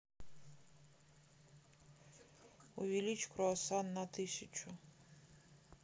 увеличь круассан на тысячу